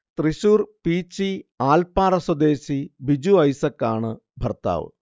തൃശൂർ പീച്ചി ആൽപ്പാറ സ്വദേശി ബിജു ഐസക് ആണ് ഭർത്താവ്